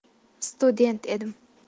student edim